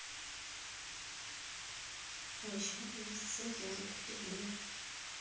а еще у меня есть сын ярик пельменев